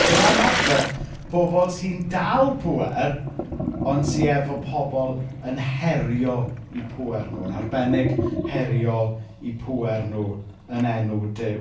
Dyma ymateb pobl sy'n dal pŵer, ond sy efo pobl yn herio eu pŵer nhw, yn arbennig herio eu pŵer nhw yn enw Duw.